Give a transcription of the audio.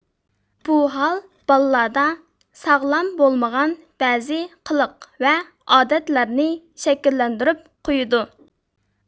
بۇ ھال بالىلاردا ساغلام بولمىغان بەزى قىلىق ۋە ئادەتلەرنى شەكىللەندۈرۈپ قويىدۇ